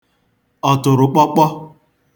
ọ̀tụ̀rụ̀kpọkpọ